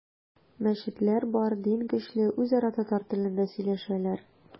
Мәчетләр бар, дин көчле, үзара татар телендә сөйләшәләр.